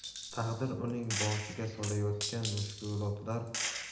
taqdir uning boshiga solayotgan mushkulotlar